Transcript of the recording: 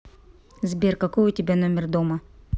сбер какой у тебя номер дома